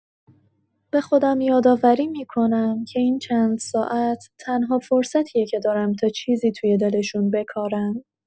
به خودم یادآوری می‌کنم که این چند ساعت، تنها فرصتیه که دارم تا چیزی توی دلشون بکارم.